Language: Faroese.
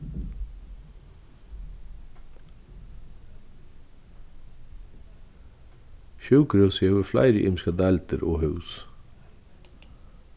sjúkrahúsið hevur fleiri ymiskar deildir og hús